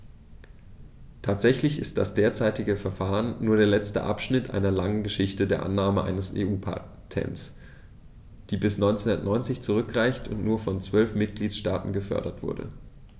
Tatsächlich ist das derzeitige Verfahren nur der letzte Abschnitt einer langen Geschichte der Annahme eines EU-Patents, die bis 1990 zurückreicht und nur von zwölf Mitgliedstaaten gefordert wurde.